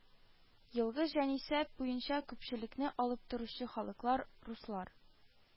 Елгы җанисәп буенча күпчелекне алып торучы халыклар: руслар